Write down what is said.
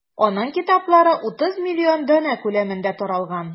Аның китаплары 30 миллион данә күләмендә таралган.